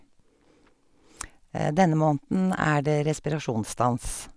Denne måneden er det respirasjonsstans.